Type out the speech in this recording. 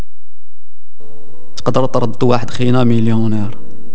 اطرد واحد فينا مليونير